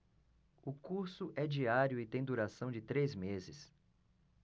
o curso é diário e tem duração de três meses